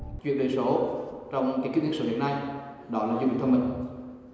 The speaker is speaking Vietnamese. truyền hình số trong lịch sử hiện nay đón dùng thông minh